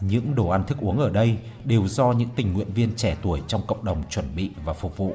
những đồ ăn thức uống ở đây đều do những tình nguyện viên trẻ tuổi trong cộng đồng chuẩn bị và phục vụ